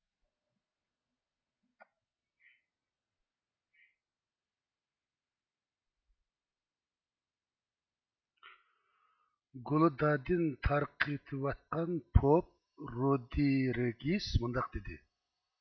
گۇلۇدادىن تارقىتىۋاتقان پوپ رودىرېگىس مۇنداق دېدى